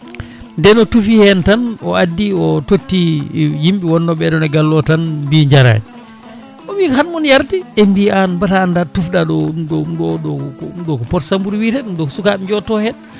nden o tuufi hen tan o addi o totti yimɓe wonnoɓe ɓeɗon e galle o tan mbi jarani o wii ko haaɗi moon yarde ɓe mbi an mbete anda tufɗa ɗo ɗum ɗo ɗum ɗo ɗum ɗo ko pot samburu wiyete ɗum ɗo ko sukaɓe jotto hen